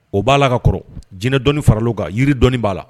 O b'a la ka kɔrɔ jinɛ dɔnnii farala kan yiri dɔni b'a la